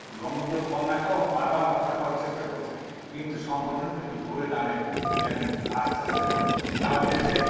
বঙ্গবন্ধুর কন্যাকেও বারবার হত্যা করার চেষ্টা করেছে কিন্তু সংগঠন কিন্তু ঘুরে দাঁড়িয়ে দেখেন আস্তে আস্তে করে সারাদেশেই